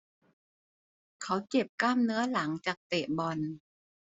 เขาเจ็บกล้ามเนื้อหลังจากเตะบอล